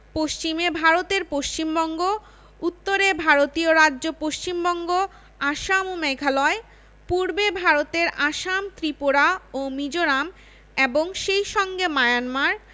পশ্চিমে ভারতের পশ্চিমবঙ্গ উত্তরে ভারতীয় রাজ্য পশ্চিমবঙ্গ আসাম ও মেঘালয় পূর্বে ভারতের আসাম ত্রিপুরা ও মিজোরাম এবং সেই সঙ্গে মায়ানমা